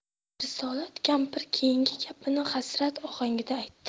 risolat kampir keyingi gapini hasrat ohangida aytdi